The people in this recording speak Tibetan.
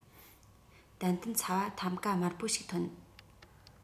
ཏན ཏན ཚ བ ཐམ ཀ དམར པོ ཞིག ཐོན